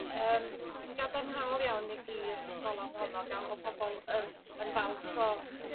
yrm gadarnhaol iawn i- ir golofn honno gan bo' pobol yn yn falch o